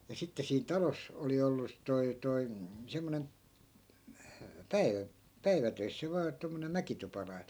ja sitten siinä talossa oli ollut tuo tuo semmoinen - päivätöissä vain tuommoinen mäkitupalainen